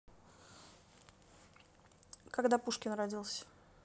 когда пушкин родился